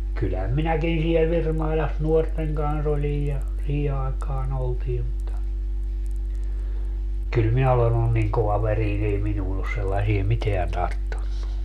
kyllähän minäkin siellä Virmailassa nuorten kanssa olin ja siihen aikaan oltiin mutta kyllä minä olen ollut niin kovaverinen ei minuun ole sellaisia mitään tarttunut